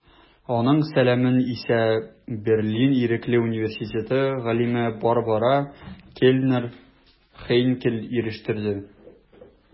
Аның сәламен исә Берлин Ирекле университеты галиме Барбара Кельнер-Хейнкель ирештерде.